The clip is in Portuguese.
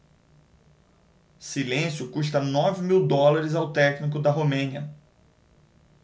silêncio custa nove mil dólares ao técnico da romênia